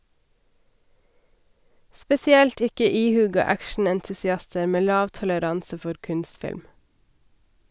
Spesielt ikke ihuga actionentusiaster med lav toleranse for kunstfilm.